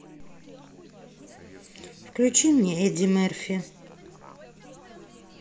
включи мне эдди мерфи